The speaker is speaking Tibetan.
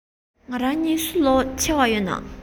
ང རང གཉིས སུ ལོ ཆེ བ ཡོད ན